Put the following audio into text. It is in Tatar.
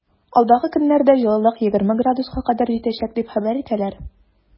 Алдагы көннәрдә җылылык 20 градуска кадәр җитәчәк дип хәбәр итәләр.